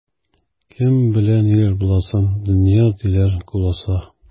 Кем белә ниләр буласын, дөнья, диләр, куласа.